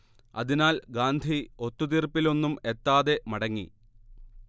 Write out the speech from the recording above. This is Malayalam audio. അതിനാൽ ഗാന്ധി ഒത്തുതീർപ്പിലൊന്നും എത്താതെ മടങ്ങി